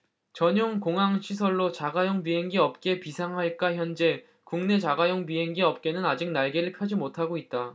전용 공항 시설로 자가용 비행기 업계 비상할까현재 국내 자가용 비행기 업계는 아직 날개를 펴지 못하고 있다